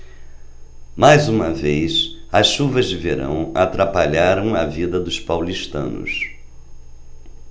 mais uma vez as chuvas de verão atrapalharam a vida dos paulistanos